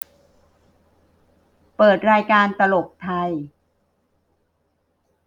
เปิดรายการตลกไทย